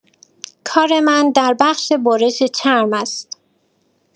کار من در بخش برش چرم است.